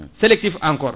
selectif encore